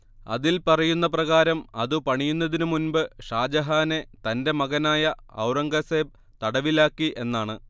അതിൽ പറയുന്ന പ്രകാരം അത് പണിയുന്നതിനു മുൻപ് ഷാജഹാനെ തന്റെ മകനായ ഔറംഗസേബ് തടവിലാക്കി എന്നാണ്